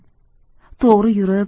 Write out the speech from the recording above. to'g'ri yurib